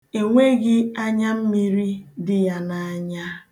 Enweghị anyammiri dị ya n'anya.